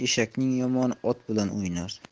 eshakning yomoni ot bilan o'ynar